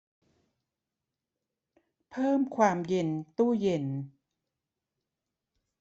เพิ่มความเย็นตู้เย็น